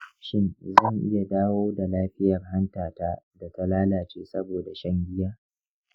shin zan iya dawo da lafiyar hanta ta da ta lalace saboda shan giya?